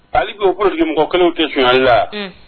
Halibi o politiciens mɔgɔ kelenw ti suɲɛlila wa?